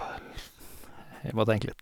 Jeg må tenke litt.